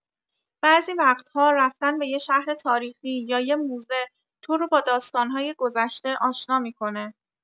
بعضی وقت‌ها رفتن به یه شهر تاریخی یا یه موزه، تو رو با داستان‌های گذشته آشنا می‌کنه.